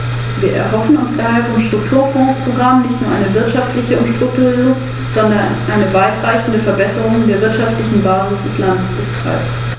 Einige Kollegen haben bereits über die Arbeitslosigkeit und den Bevölkerungsrückgang gesprochen.